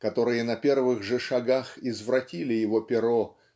которые на первых же шагах извратили его перо